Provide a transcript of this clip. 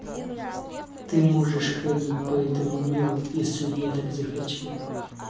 ты можешь ходить по этому миру если я так захочу